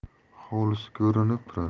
hovlisi ko'rinib turadi